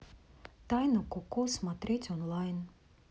тайна коко смотреть онлайн